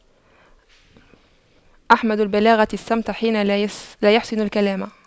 أحمد البلاغة الصمت حين لا يَحْسُنُ الكلام